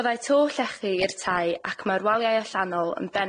Byddai to llechi i'r tai ac ma'r waliau allanol yn benaf